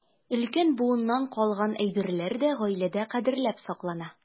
Өлкән буыннан калган әйберләр дә гаиләдә кадерләп саклана.